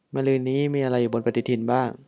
มะรืนนี้มีอะไรอยู่บนปฎิทินบ้าง